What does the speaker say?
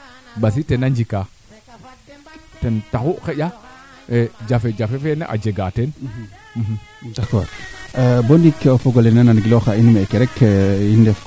ga tokores a maya keete duufan refna jaraafee saate fee to ko jeema ga'aam te duufa suuna trois to roog ndigil a kangafa ke yoombe yaqu de